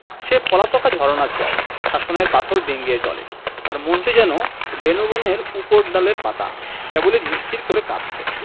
সে পলাতকা ঝরনার জল শাসনের পাথর ডিঙ্গিয়ে চলে তার মনটি যেন বেনূবনের উপরডালের পাতা কেবলি ঝির ঝির করে কাঁপছে